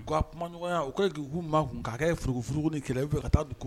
U kaa kumaɲɔgɔnya uku maa kun k' kɛ furuugufuruguugun ni kɛlɛ fɛ ka taa dugu